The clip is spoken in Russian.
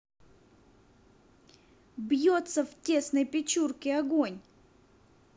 бьется в тесной печурки огонь